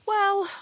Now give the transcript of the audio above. Wel